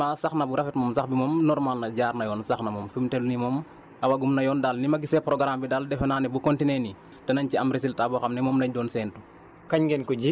non vraiment sax na sax bu rafet moom sax bi moom normal na jaar na yoon sax na moom fi mu toll nii moom awagum na yoon daal ni ma gisee programme bi daal defe naa ne bu continuer nii danañ ci am résultat boo xam ne moom lañ doon séntu